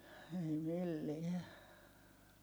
ei millään